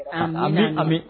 Ami ami